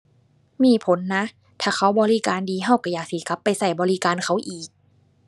มีผลนะ ถ้าเขาบริการดีเราเราอยากสิกลับไปเราบริการเขาอีก